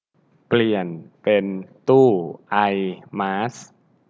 เปลี่ยนเป็นตู้ไอมาส